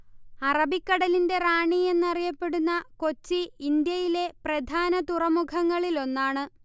അറബിക്കടലിന്റെ റാണി എന്നറിയപ്പെടുന്ന കൊച്ചി ഇന്ത്യയിലെ പ്രധാന തുറമുഖങ്ങളിലൊന്നാണ്